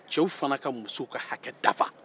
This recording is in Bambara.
cɛw fana ka musow ka hakɛ dafa